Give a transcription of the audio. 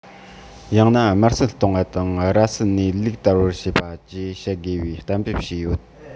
ཡང ན དམར གསོད གཏོང བ དང ར བསད ནས ལུག འདར བ བྱེད པ བཅས བྱེད དགོས པའི གཏན འབེབས བྱས ཡོད